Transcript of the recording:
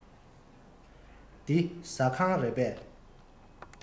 འདི ཟ ཁང རེད པས